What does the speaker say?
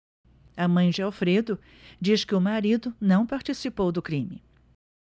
a mãe de alfredo diz que o marido não participou do crime